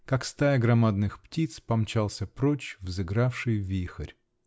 Как свая громадных птиц, помчался прочь взыгравший вихорь.